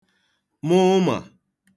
mụ ụmà